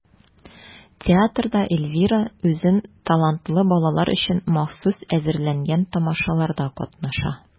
Театрда Эльвира үзен талантлы балалар өчен махсус әзерләнгән тамашаларда катнаша.